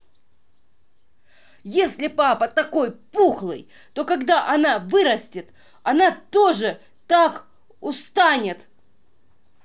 если папа такой пухлый то когда она вырастет она тоже так устанет